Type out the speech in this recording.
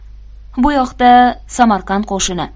bu yoqda samarqand qo'shini